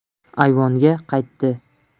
ayvonga qaytdi